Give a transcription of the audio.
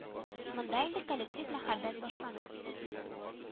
Монда инде коллектив мәхәббәт башлана